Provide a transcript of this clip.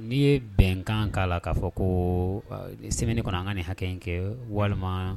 N'i ye bɛnkan k'a la k'a fɔ ko semaine kɔnɔ an ka nin hakɛ in kɛ walima